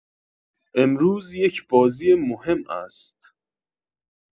امروز یک بازی مهم است